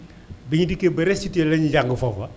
bi ñu dikkee ba restitué la ñu jàng foofa